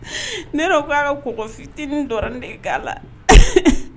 Ne dɔ' aa ka ko fitinin dɔ de ga la